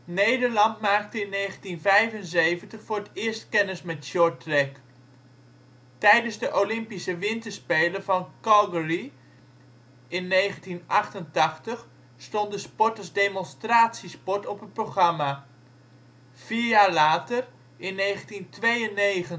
Nederland maakte in 1975 voor het eerst kennis met shorttrack. Tijdens de Olympische Winterspelen van Calgary (1988) stond de sport als demonstratiesport op het programma. Vier jaar later, in 1992, besloot het